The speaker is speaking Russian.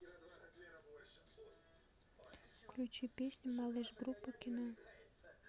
включи песню малыш группа кино